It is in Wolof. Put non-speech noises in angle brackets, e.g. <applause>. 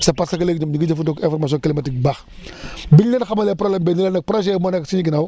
c' est parce que léegi ñoom ñu ngi jëfandikoo information climatique bu baax <breath> biñ leen xamalee problème bi ne leen nag projets yi moo nekk suñu ginnaaw